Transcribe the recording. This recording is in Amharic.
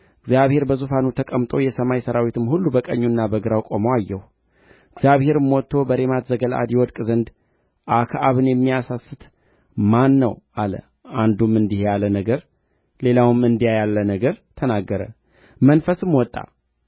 እግዚአብሔር በዙፋኑ ተቀምጦ የሰማይም ሠራዊት ሁሉ በቀኙና በግራው ቆመው አየሁ እግዚአብሔርም ወጥቶ በሬማት ዘገለዓድ ይወድቅ ዘንድ አክዓብን የሚያሳስት ማን ነው አለ አንዱም እንዲህ ያለ ነገር ሌላውም እንዲያ የለ ነገር ተናገረ መንፈስም ወጣ